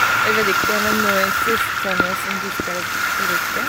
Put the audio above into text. Jeg vet ikke, men noen systemet som de skal bruke.